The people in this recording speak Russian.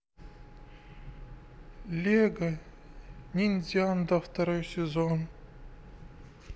лего ниндзяго второй сезон